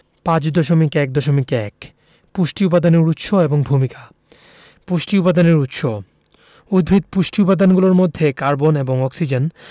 ৫.১.১ পুষ্টি উপাদানের উৎস এবং ভূমিকা পুষ্টি উপাদানের উৎস উদ্ভিদ পুষ্টি উপাদানগুলোর মধ্যে কার্বন এবং অক্সিজেন